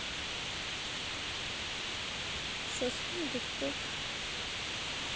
шастун гудков